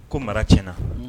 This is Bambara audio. Ko mara tiɲɛna